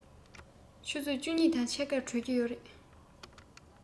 ཆུ ཚོད བཅུ གཉིས དང ཕྱེད ཀར གྲོལ གྱི རེད